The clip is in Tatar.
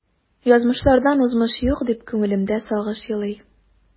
Язмышлардан узмыш юк, дип күңелемдә сагыш елый.